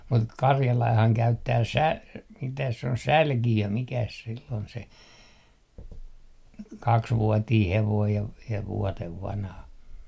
mutta karjalainenhan käyttää - mitäs se on sälkiö mikäs sillä oli se kaksivuotinen hevonen ja - ja vuoden vanha